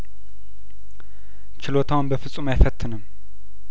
ችሎታውን በፍጹም አይፈ ትንም